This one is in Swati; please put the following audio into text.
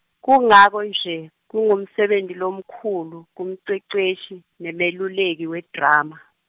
Kungako-nje, kungumsebenti lomkhulu, kumceceshi, nemeluleki wedrama.